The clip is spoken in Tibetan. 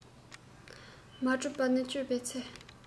མ གྲུབ པ ན དཔྱོད པའི ཚེ